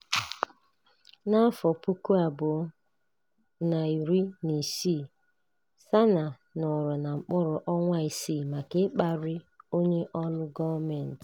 Na 2016, Sanaa nọrọ na mkpọrọ ọnwa isii maka ịkparị onye ọrụ gọọmentị.